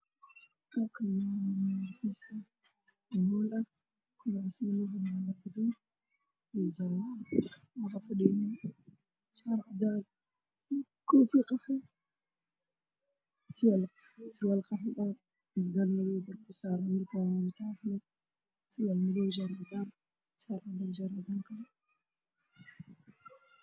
Halkaan waxaa fadhiyo rag iyo dumar waxaana ugu soo horeeyo nin oday ah oo qabo shaati cadaan ah iyo surwaal qaxwi iyo kofiyad qaxwi ah ookiyaalo madaw ahna wuu qabaa dhabtana mobile ayaa u saaran